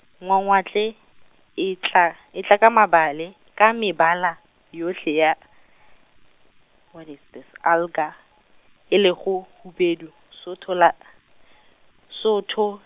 ngwangwatle, e tla, e tla ka ma bale, ka mebala yohle ya, what is this, alga, e lego hubedu, Sotho la , Sotho.